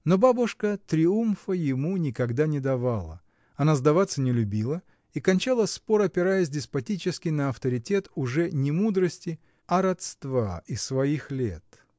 Но бабушка триумфа ему никогда не давала, она сдаваться не любила и кончала спор, опираясь деспотически на авторитет, уже не мудрости, а родства и своих лет.